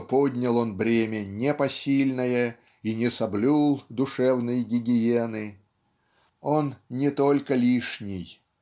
что поднял он бремя непосильное и не соблюл душевной гигиены. Он не только лишний.